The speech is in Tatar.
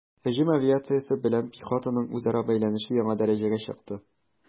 Һөҗүм авиациясе белән пехотаның үзара бәйләнеше яңа дәрәҗәгә чыкты.